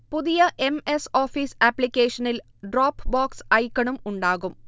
പുതിയ M. S. Office ആപ്ലിക്കേഷനിൽ Dropbox ഐക്കണും ഉണ്ടാകും